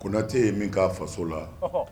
Konate ye min k'a faso la ɔhɔ